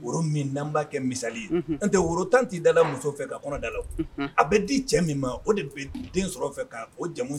Woroba kɛ misali ye an tɛ woro tan t tɛ da muso fɛ ka kɔnɔ da la a bɛ di cɛ min ma o de bɛ den sɔrɔ fɛ k' o jamu